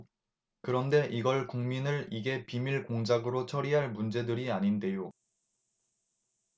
그런데 이걸 국민을 이게 비밀 공작으로 처리할 문제들이 아닌데요